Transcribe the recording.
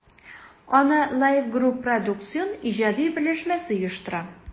Аны JIVE Group Produсtion иҗади берләшмәсе оештыра.